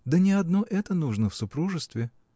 да не одно это нужно в супружестве.